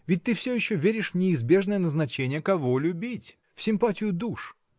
ведь ты все еще веришь в неизбежное назначение кого любить в симпатию душ!